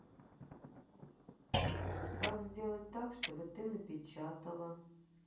как сделать так чтоб ты напечатала